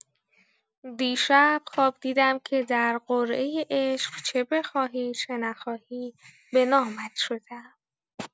دیشب خواب دیدم که در قرعۀ عشق چه بخواهی چه نخواهی به نامت شده‌ام!